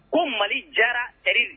Ko mali diyara